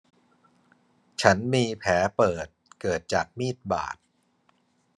ฉันมีแผลเปิดเกิดจากมีดบาด